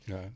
waaw